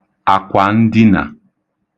àkwàndinà